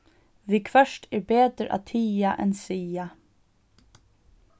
viðhvørt er betur at tiga enn siga